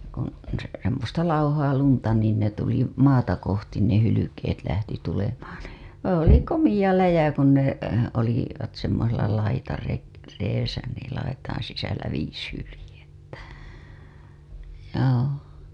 kun - semmoista lauhaa lunta niin ne tuli maata kohti ne hylkeet lähti tulemaan niin se oli komea läjä kun ne - olivat semmoisella - laitareessä niin laitojen sisällä viisi hyljettä joo